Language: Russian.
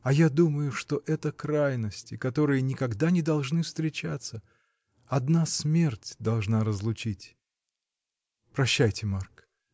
— А я думаю, что это крайности, которые никогда не должны встречаться. одна смерть должна разлучить. Прощайте, Марк!